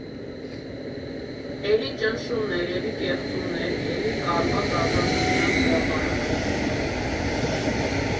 Էլի ճնշումներ, էլի կեղծումներ, էլի կալված Ազատության հրապարակ։